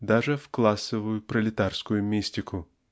даже в классовую пролетарскую мистику.